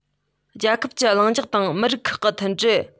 རྒྱལ ཁབ ཀྱི ལྷིང འཇགས དང མི རིགས ཁག གི མཐུན སྒྲིལ